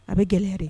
A bɛ gɛlɛyayara de